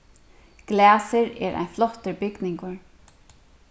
glasir er ein flottur bygningur